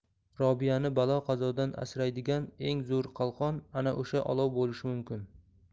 robiyani balo qazodan asraydigan eng zo'r qalqon ana o'sha olov bo'lishi mumkin